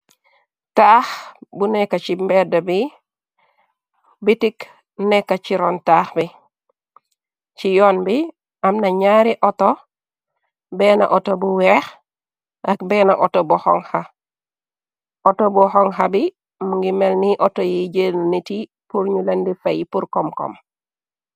taax bu nekka ci mbedd bi bitik nekka ciroon taax bi ci yoon bi amna ñaari ato benn auto bu weex ak benn ato bu xon auto bu xonha bi mu ngi melni auto yi jëll niti purñu lendi fey pur kom kom